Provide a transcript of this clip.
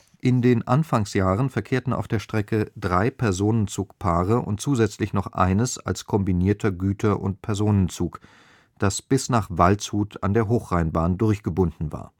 In den Anfangsjahren verkehrten auf der Strecke drei Personenzugpaare und zusätzlich noch eines als kombinierter Güter - und Personenzug, das bis nach Waldshut an der Hochrheinbahn durchgebunden war